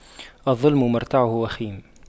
الظلم مرتعه وخيم